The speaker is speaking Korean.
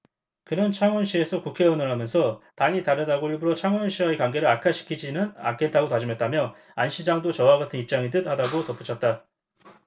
그는 창원시에서 국회의원을 하면서 당이 다르다고 일부러 창원시와의 관계를 악화시키지는 않겠다고 다짐했다며 안 시장도 저와 같은 입장인 듯 하다고 덧붙였다